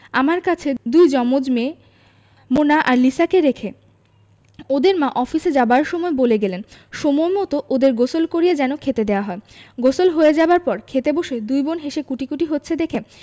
আমার কাছে দুই জমজ মেয়ে মোনা আর লিসাকে রেখে ওদের মা অফিসে যাবার সময় বলে গেলেন সময়মত ওদের গোসল করিয়ে যেন খেতে দেয়া হয় গোসল হয়ে যাবার পর খেতে বসে দুই বোন হেসে কুটিকুটি হচ্ছে দেখে